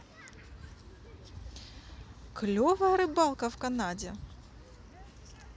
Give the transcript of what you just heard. клевая рыбалка в канаде